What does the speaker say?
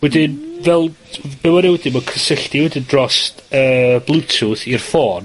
wedyn... Hmm. ...fel t-... Be' ma'n neud wedyn ma'n cysylltu wedyn drost yy BlueTooth i'r ffôn